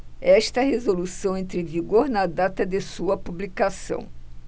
esta resolução entra em vigor na data de sua publicação